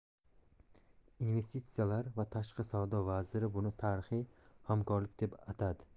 investitsiyalar va tashqi savdo vaziri buni tarixiy hamkorlik deb atadi